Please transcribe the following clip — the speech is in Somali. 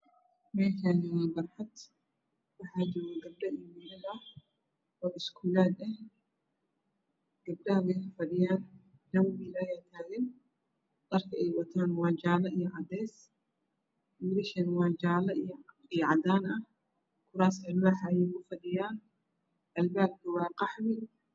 Meeshani waa barkad waxaa joogo gabdho iyo wilal ah oo iskuulad ah gabdhaha way fadhiyaan shan wiil ayaa taagan dharka ay wataan waa jaalo iyo cadays wiilasha waa jaalo iyo cadaana kuraas alwaax ah ayay kufadhiyaan albaabku waa qaxwi